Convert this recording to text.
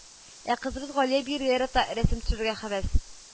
Ә кызыбыз Галия биергә ярата, рәсем төшерергә һәвәс